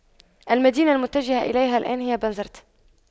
المدينة المتجهة اليها الآن هي بنزرت